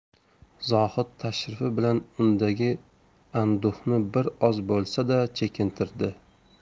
zohid tashrifi bilan undagi anduhni bir oz bo'lsa da chekintirdi